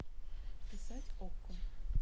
писать okko